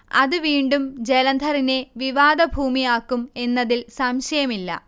അത് വീണ്ടും ജലന്ധറിനെ വിവാദഭൂമിയാക്കും എന്നതിൽ സംശയമില്ല